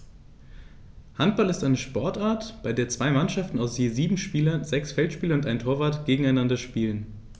Handball ist eine Sportart, bei der zwei Mannschaften aus je sieben Spielern (sechs Feldspieler und ein Torwart) gegeneinander spielen.